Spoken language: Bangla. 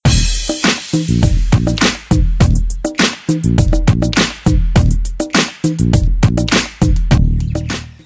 music